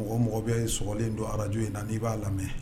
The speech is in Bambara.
Mɔgɔ mɔgɔ bɛya ye sogolen don alajo in na n'i b'a lamɛninɛ